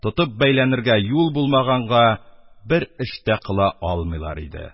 Тотып бәйләнергә юл булмаганга, бер эш тә кыла алмыйлар иде.